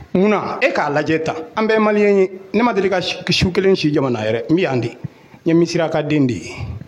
Munna e k'a lajɛ ta an bɛɛ maliyɛn ye ne ma deli ka su kelen si jamana yɛrɛ n bɛ yan de, n ye Misirakaden de ye